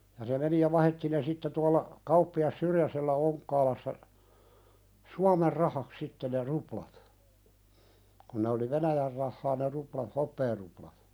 ja se meni ja vaihdettiin ne sitten tuolla kauppias Syrjäsellä Onkaassa Suomen rahaksi sitten ne ruplat kun ne oli Venäjän rahaa ne ruplat hopearuplat